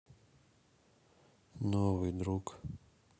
новый друг